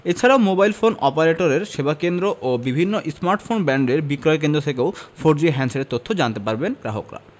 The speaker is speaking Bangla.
এ ছাড়াও মোবাইল ফোন অপারেটরের সেবাকেন্দ্র ও বিভিন্ন স্মার্টফোন ব্র্যান্ডের বিক্রয়কেন্দ্র থেকেও ফোরজি হ্যান্ডসেটের তথ্য জানতে পারবেন গ্রাহকরা